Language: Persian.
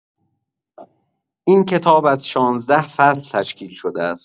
این کتاب از شانزده فصل تشکیل شده است.